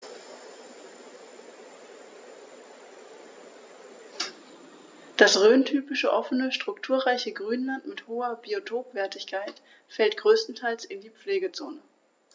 Das rhöntypische offene, strukturreiche Grünland mit hoher Biotopwertigkeit fällt größtenteils in die Pflegezone.